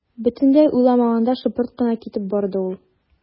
Бөтенләй уйламаганда шыпырт кына китеп барды ул.